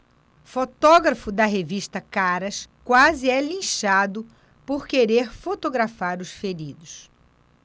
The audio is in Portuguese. fotógrafo da revista caras quase é linchado por querer fotografar os feridos